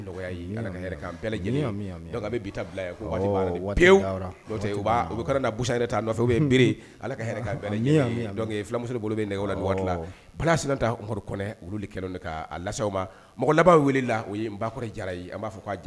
Muso bolo bɛ laɛ olu mɔgɔ laban wele u ba